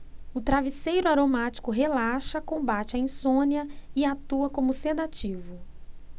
o travesseiro aromático relaxa combate a insônia e atua como sedativo